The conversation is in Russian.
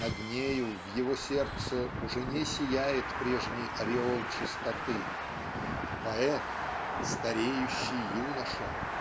над нею в его сердце уже не сияет прежний ореол чистоты. Поэт "стареющий юноша"